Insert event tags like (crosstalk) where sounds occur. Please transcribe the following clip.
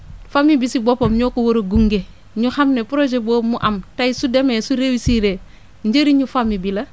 famille bi si boppam (noise) ñoo ko war a gunge ñu xam ne projet boobu mu am tey su demee su réussir njëriñu famille bi la